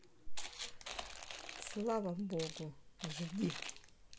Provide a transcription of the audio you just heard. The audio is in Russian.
слава богу жди